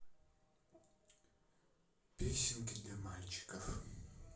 песенки для мальчиков